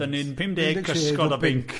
Dan ni'n pymdeg cysgod o binc.